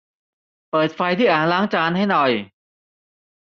เปิดไฟที่อ่างล้างจานให้หน่อย